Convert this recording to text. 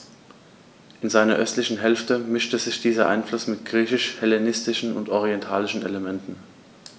In seiner östlichen Hälfte mischte sich dieser Einfluss mit griechisch-hellenistischen und orientalischen Elementen.